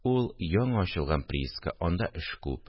Ул – яңа ачылган прииска, анда эш күп